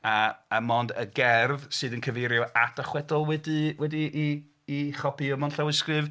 A... a 'mond y gerdd sydd yn cyfeirio at y chwedl wedi... wedi ei... i... i chopïo mewn llawysgrif.